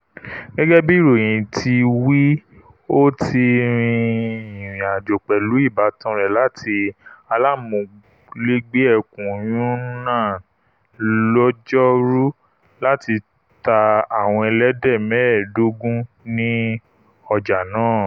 Gẹ́gẹ́ bí ìròyìn ti wí ó ti rin ìrìn-àjò pẹ̀lú ìbátan rẹ láti aláàmúlégbé ẹkùn Yunnan lọ́jọ́ 'Ru láti ta àwọn ẹlẹ́dẹ̀ mẹ́ẹ̀dógún ní ọjá náà.